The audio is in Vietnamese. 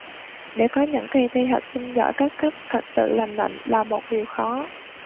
để có những kỳ thi học sinh giỏi các cấp thật sự lành mạnh là một điều khó